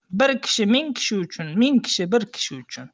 bir kishi ming kishi uchun ming kishi bir kishi uchun